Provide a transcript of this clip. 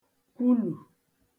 kwulù